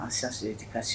An siso tɛ ka sigi